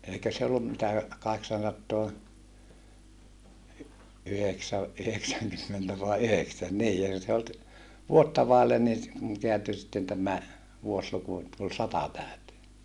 eikä se ollut mitä kahdeksansataa - yhdeksänkymmentä vai yhdeksän niin eikö se ollut vuotta vaille niin se kääntyi sitten tämä vuosiluku että tuli sata täyteen